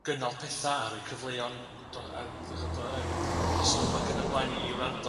gynnal petha' a rhoi cyfleon a dy'chod dros Zoom ac yn y blaen i wrando ar